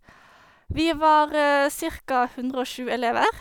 Vi var cirka hundre og tjue elever.